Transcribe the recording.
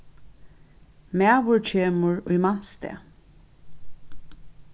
maður kemur í mans stað